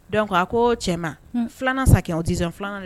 Don a ko cɛ filanan sa o disɔn filanan